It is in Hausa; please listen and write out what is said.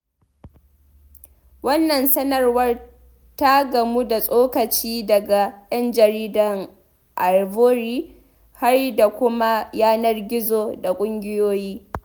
Wannan sanarwar ta gamu da tsokaci daga ƴan jaridar Ivory har da kuma yanar gizo da ƙungiyoyi.